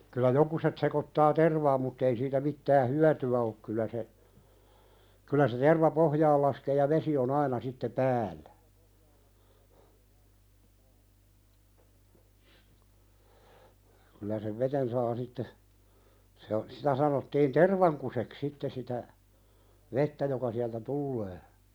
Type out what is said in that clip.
kyllä jotkut sekoittaa tervaan mutta ei siitä mitään hyötyä ole kyllä se kyllä se terva pohjaan laskee ja vesi on aina sitten päällä kyllä sen veteen saa sitten se - sitä sanottiin tervankuseksi sitten sitä vettä joka sieltä tulee